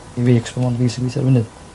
i fi 'c'os mond fi sy'n gwithio ar y funud